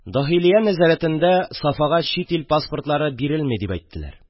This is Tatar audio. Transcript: Дахилия нәзәрәтендә Сафага чит ил паспортлары бирелми дип әйттеләр